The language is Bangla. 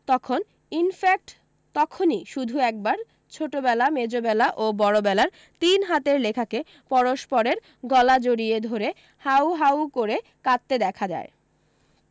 তখন ইনফ্যাক্ট তখনি শুধু একবার ছোটোবেলা মেজোবেলা ও বড়বেলার তিন হাতের লেখাকে পরস্পরের গলা জড়িয়ে ধরে হাউ হাউ করে কাঁদতে দেখা যায়